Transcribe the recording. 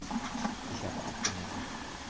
Ich habe abgenommen.